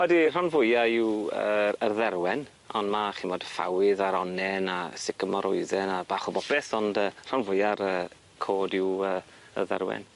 Odi rhan fwya yw yy yr dderwen on' ma' chi'mod ffawydd a'r onnen a sycamorwydden a bach o bopeth ond yy rhan fwya'r yy cod yw yy y dderwen.